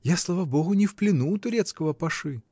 Я, слава Богу, не в плену у турецкого паши.